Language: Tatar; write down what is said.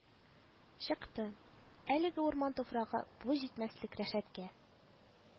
Чыкты: әлеге урман туфрагы буй җитмәслек рәшәткә